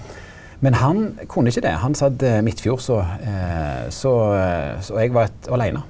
men han kunne ikkje det han satt midtfjords og så så eg var aleine.